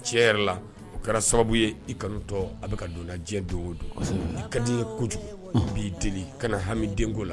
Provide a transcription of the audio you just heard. Tiɲɛ yɛrɛ la o kɛra sababu ye i kanu tɔ a bɛ ka don n na diɲɛ don o don, i ka di n ye kojugu n b'i deli kana hami denko la